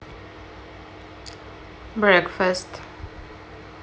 breakfast